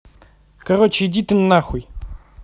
короче иди ты нахуй